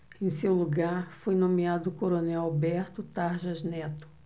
em seu lugar foi nomeado o coronel alberto tarjas neto